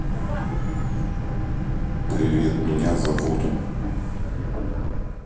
привет меня зовут